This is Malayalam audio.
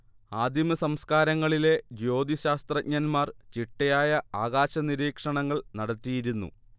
ആദിമസംസ്കാരങ്ങളിലെ ജ്യോതിശാസ്ത്രജ്ഞന്മാർ ചിട്ടയായ ആകാശനിരീക്ഷണങ്ങൾ നടത്തിയിരുന്നു